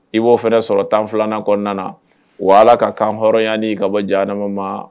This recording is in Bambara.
I b'o fɛ sɔrɔ tan filanan kɔnɔna na wala ala ka kan hɔrɔnyaani ka bɔ jan adamama ma